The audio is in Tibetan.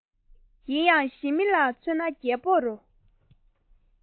ཡིན ཡང ཞི མི ལ མཚོན ན རྒྱལ པོར